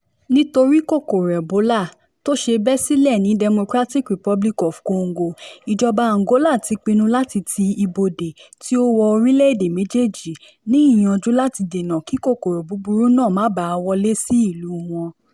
Nítorí kòkòrò ebola tó ṣẹ̀ bẹ́ silẹ̀ ní Democratic Republic of Congo, Ìjọba Angola ti pinnu láti ti ibodè tí ó wọ orílẹ̀ èdè méjéèjì, ní ìyànjú láti dènà kí kòkòrò búburú náà má báà wọlé sí ìlú wọn.